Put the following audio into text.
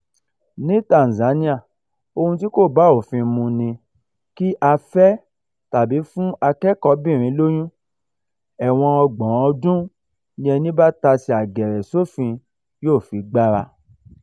Ní Tanzania, ohun tí kò bá òfin mu ni kí a fẹ́ tàbí fún akẹ́kọ̀ọ́bìnrin lóyún, ẹ̀wọ̀n ọgbọ̀n ọdún ni ẹní bá tasẹ̀ àgẹ̀rẹ̀ sófin yóò fi gbára.